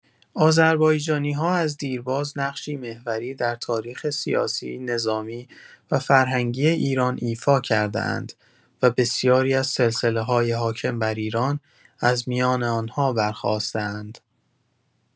آذربایجانی‌ها از دیرباز نقشی محوری در تاریخ سیاسی، نظامی و فرهنگی ایران ایفا کرده‌اند و بسیاری از سلسله‌های حاکم بر ایران از میان آن‌ها برخاسته‌اند.